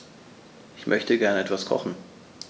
Ich möchte gerne etwas kochen.